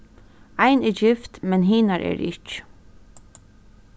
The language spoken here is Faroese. ein er gift men hinar eru ikki